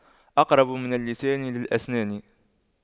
أقرب من اللسان للأسنان